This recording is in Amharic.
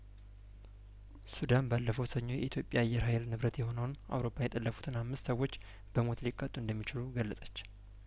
ሱዳን ባለፈው ሰኞ የኢትዮጵያ አየር ሀይልንብረት የሆነውን አውሮፓ የጠለፉትን አምስት ሰዎች በሞት ሊቀጡ እንደሚችሉ ገለጸች